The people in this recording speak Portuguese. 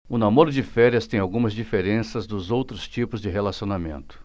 o namoro de férias tem algumas diferenças dos outros tipos de relacionamento